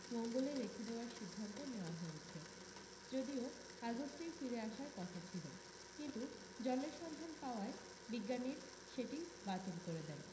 মঙ্গলে রেখে দেওয়ার সিদ্ধান্ত নেওয়া হয়েছে যদিও আগস্টেই ফিরে আসার কথা ছিল কিন্তু জলের সন্ধান পাওয়ায় বিজ্ঞানীর সেটি বাতিল করে দেন